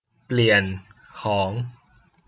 เปลี่ยนของ